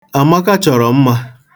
Amaka chọrọ mma.